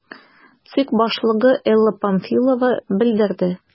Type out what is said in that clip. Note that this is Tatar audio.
ЦИК башлыгы Элла Памфилова белдерде: